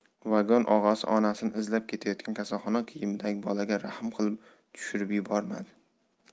vagon og'asi onasini izlab ketayotgan kasalxona kiyimidagi bolaga rahm qilib tushirib yubormadi